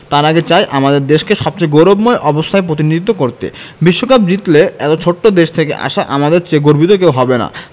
তার আগে চাই আমাদের দেশকে সবচেয়ে গৌরবময় অবস্থায় প্রতিনিধিত্ব করতে বিশ্বকাপ জিতলে এত ছোট্ট দেশ থেকে আসা আমাদের চেয়ে গর্বিত কেউ হবে না